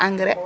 no engrais,